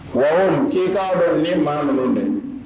Wawone ki ka dɔn ni maa munun dɛ.